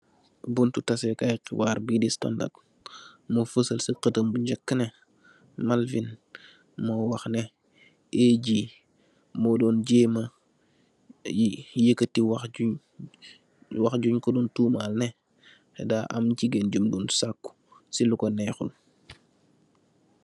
Bonti taseh kai xibaar bi di standard mo fesal si xetam bu ngeh keh neh malvin mo wah neh ag mo don jema yeketi wah gung ko don tuma neh da am jigeen guum do saku si loko nehul